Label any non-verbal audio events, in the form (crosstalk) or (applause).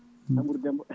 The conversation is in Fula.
Mamadou Demba (laughs)